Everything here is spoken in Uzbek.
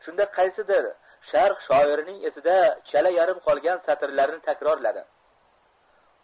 shunda qaysidir sharq sho'lrining esida chala yarim qolgan satrlarini takrorladi